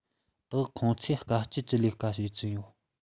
དག ཁོང ཚོས དཀའ སྤྱད ཀྱིས ལས ཀ བྱེད ཀྱི ཡོད